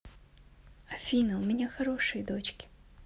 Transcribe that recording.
афина у меня хорошие дочки